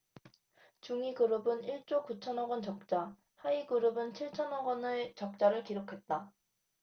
중위그룹은 일 조 구천 억원 적자 하위그룹은 칠천 억원 의 적자를 기록했다